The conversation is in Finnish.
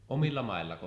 omilla maillako